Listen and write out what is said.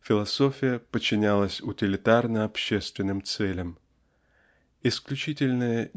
философия подчинялась утилитарно-общественным целям. Исключительное